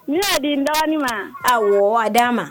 Na di dɔɔnin ma a wara di ma